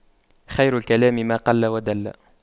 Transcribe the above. خير الكلام ما قل ودل